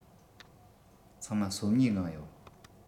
ཚང མ སོམ ཉིའི ངང ཡོད